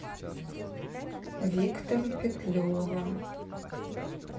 виктор петлюра